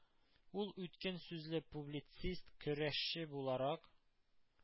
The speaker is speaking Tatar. Ул үткен сүзле публицист, көрәшче буларак,